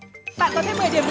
bạn có thêm mười điểm